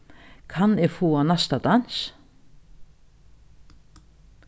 kann eg fáa næsta dans